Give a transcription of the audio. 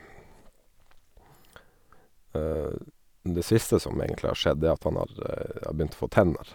Det siste som egentlig har skjedd er at han har har begynt å få tenner.